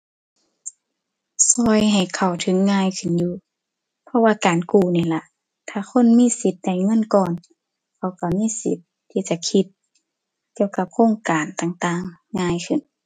ช่วยให้เข้าถึงง่ายขึ้นอยู่ เพราะว่าการกู้นี่ล่ะ ถ้าคนมีสิทธิ์ได้เงินก่อน เขาช่วยมีสิทธิ์ที่จะคิดเกี่ยวกับโครงการต่างต่างง่ายขึ้น